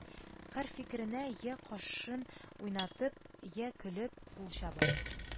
Һәр фикеренә йә кашын уйнатып, йә көлеп, кул чабып,